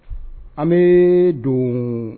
An bɛ don